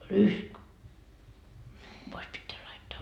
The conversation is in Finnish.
rysk pois pitää laittaa